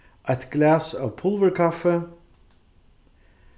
eitt glas av pulvurkaffi